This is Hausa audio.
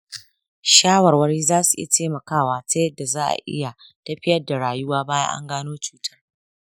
shawarwari zasu iya taimakawa ta yadda za'a iya tafiyar da rayuwa bayan an gano cutar.